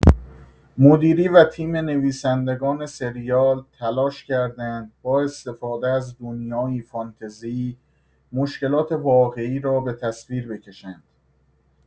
مدیری و تیم نویسندگان سریال تلاش کردند با استفاده از دنیایی فانتزی، مشکلات واقعی را به تصویر بکشند.